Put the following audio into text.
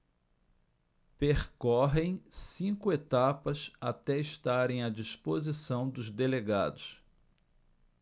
percorrem cinco etapas até estarem à disposição dos delegados